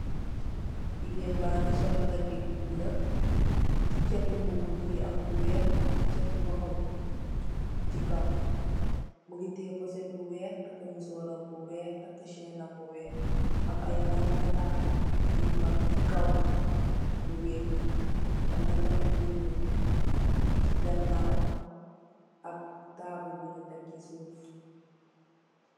Gigain bangi sol dagit bu blue sey chati mbubu bi Mungi am lu weih ak sey chati lohobi sey kaw Mungi teyeh poset bu weih taka musorram bu weih taka chinam bu weih am i nyari natal yu mak sey kaw nyu wekah am na tamit buntu sey ganaw ak tabul bunyu tek sey suuf.